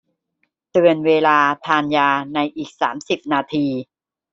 เตือนเวลาทานยาในอีกสามสิบนาที